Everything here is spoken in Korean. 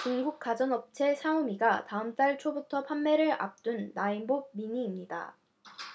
중국 가전업체 샤오미가 다음 달 초부터 판매를 앞둔 나인봇 미니입니다